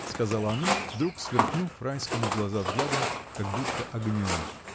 — сказала она, вдруг сверкнув Райскому в глаза взглядом, как будто огнем.